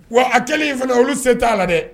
Wa a kɛlen in fana olu sen t'a la dɛ